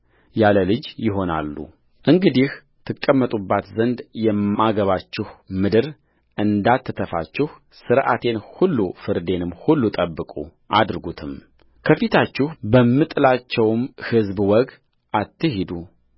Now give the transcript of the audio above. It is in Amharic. ያለ ልጅ ይሆናሉእንግዲህ ትቀመጡባት ዘንድ የማገባችሁ ምድር እንዳትተፋችሁ ሥርዓቴን ሁሉ ፍርዴንም ሁሉ ጠብቁ አድርጉትምከፊታችሁ በምጥላቸውም ሕዝብ ወግ አትሂዱ